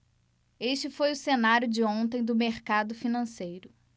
este foi o cenário de ontem do mercado financeiro